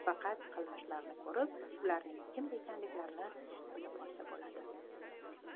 faqat qilmishlarini ko'rib ularning kim ekanliklarini bilib olsa bo'ladi